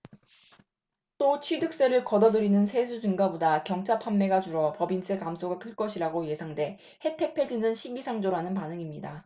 또 취득세를 거둬 늘어나는 세수 증가보다 경차 판매가 줄어 법인세 감소가 클 것이라고 예상돼 혜택 폐지는 시기상조라는 반응입니다